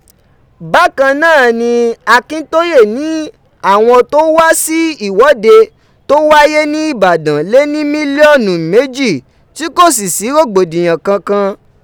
Bakan naa ni Akintoye ni awọn to wa si iwode to waye ni Ibadan le ni miliọnu meji, ti ko si si rogbodiyan kankan.